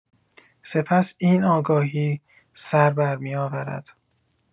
سپس این آگاهی سر برمی‌آورد.